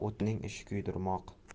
o'tning ishi kuydirmoq